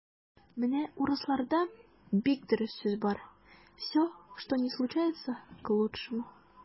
Менә урысларда бик дөрес сүз бар: "все, что ни случается - к лучшему".